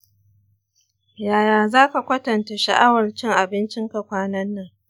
yaya za ka kwatanta sha’awar cin abincinka kwanan nan?